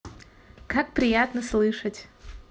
как приятно слышать